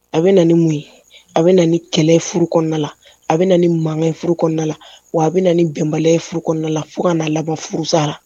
A bɛ na ni mun a bɛ na ni kɛlɛ furu kɔnɔna la a bɛ na ni mankankɛ furu kɔnɔna la wa a bɛ na bɛnba furu kɔnɔna fo ka na laban furusara